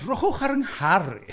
Drychwch ar nghar i.